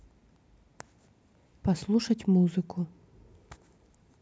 послушать музыку